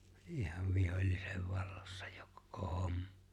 ihan vihollisen vallassa jo koko homma